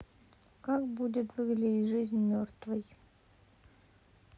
как будет выглядеть жизнь мертвой